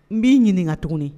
N b'i ɲininka ka tuguni